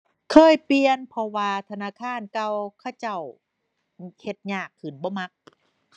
เคยเปลี่ยน เพราะว่าธนาคารเก่าเขาเจ้าเฮ็ดยากขึ้น บ่มัก